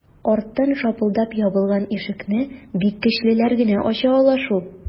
Арттан шапылдап ябылган ишекне бик көчлеләр генә ача ала шул...